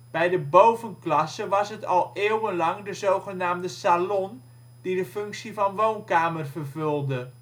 Bij de bovenklasse was het al eeuwenlang de zogenaamde salon die de functie van woonkamer vervulde